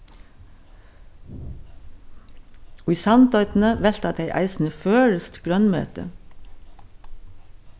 í sandoynni velta tey eisini føroyskt grønmeti